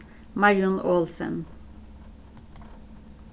marjun olsen